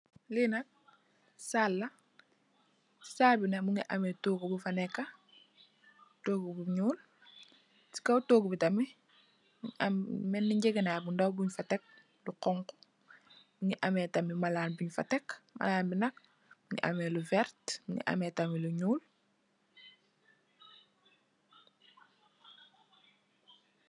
Lii nak, saal la, saal bi nak mungi ameh toogu bufa neka, toogu bu ñuul, si kaw toogu bi tamih, mungi am meni njegenaay bu ndaw buñfa tek lu xonxu, mungi ameh tamih malaan buñfa tek, malaan bi nak mungi ameh lu vert, mungi ameh tamih lu ñuul.